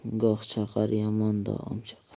chaqar yomon doim chaqar